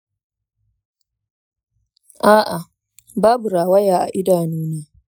a’a, babu rawaya a idanuwana.